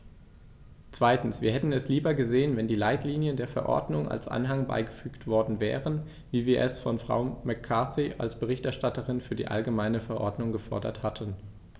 Zweitens: Wir hätten es lieber gesehen, wenn die Leitlinien der Verordnung als Anhang beigefügt worden wären, wie wir es von Frau McCarthy als Berichterstatterin für die allgemeine Verordnung gefordert hatten.